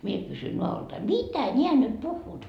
minä kysyi nadoltani mitä nämä nyt puhuvat